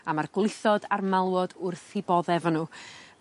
A ma'r gwlithod ar malwod wrth 'u bodde efo n'w.